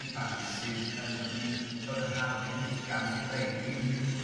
ifanc sydd yn dod i dod yn rhan o ddiwylliant Cymreig ddim